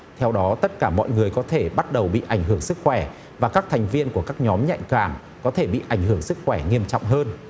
theo đó tất cả mọi người có thể bắt đầu bị ảnh hưởng sức khỏe và các thành viên của các nhóm nhạy cảm có thể bị ảnh hưởng sức khỏe nghiêm trọng hơn